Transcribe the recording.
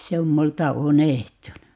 se on minulta unohtunut